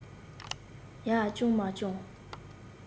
ཡར བརྐྱངས མར བརྐྱངས